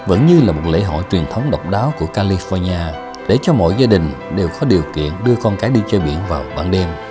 vẫn như là một lễ hội truyền thống độc đáo của ca li phóc ni a để cho mỗi gia đình đều có điều kiện đưa con cái đi chơi biển vào ban đêm